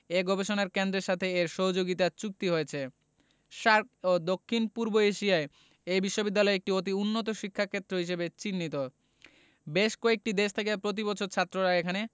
ও গবেষণা কেন্দ্রের সাথে এর সহযোগিতা চুক্তি হয়েছে SAARC ও দক্ষিণ পূর্ব এশিয়ায় এ বিশ্ববিদ্যালয় একটি অতি উন্নত শিক্ষাক্ষেত্র হিসেবে চিহ্নিত বেশ কয়েকটি দেশ থেকে প্রতি বছর ছাত্ররা এখানে